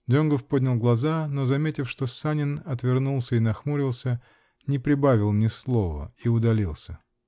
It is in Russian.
Донгоф поднял глаза, но, заметив, что Санин отвернулся и нахмуился, не прибавил ни слова -- и удалился.